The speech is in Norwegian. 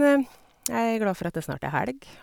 Jeg er glad for at det snart er helg.